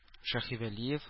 Шаһивәлиев